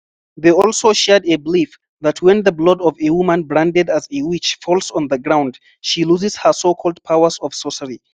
They also shared a belief that when the blood of a woman branded as a witch falls on the ground, she loses her so-called powers of sorcery.